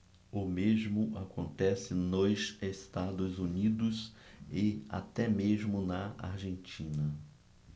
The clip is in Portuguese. o mesmo acontece nos estados unidos e até mesmo na argentina